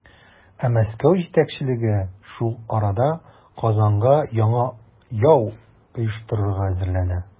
Ә Мәскәү җитәкчелеге шул арада Казанга яңа яу оештырырга әзерләнә.